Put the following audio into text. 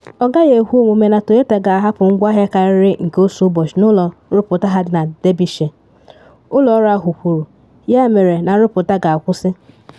Ọ gaghị ekwe omume na Toyota ga-ahapụ ngwaahịa karịrị nke otu ụbọchị n’ụlọ nrụpụta ha dị na Derbyshire, ụlọ ọrụ ahụ kwuru, yamere na nrụpụta ga-akwụsị.